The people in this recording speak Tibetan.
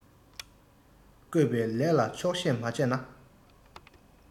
བཀོད པའི ལས ལ ཆོག ཤེས མ བྱས ན